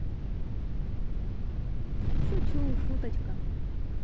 шучу шуточка